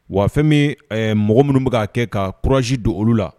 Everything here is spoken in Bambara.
Wa fɛn min mɔgɔ minnu bɛ'a kɛ ka psi don olu la